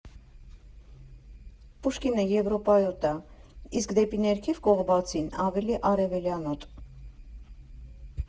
Պուշկինը եվրոպայոտ ա, իսկ դեպի ներքև՝ Կողբացին, ավելի արևելյանոտ։